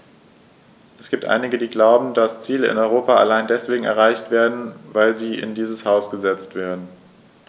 Es gibt einige, die glauben, dass Ziele in Europa allein deswegen erreicht werden, weil sie in diesem Haus gesetzt werden.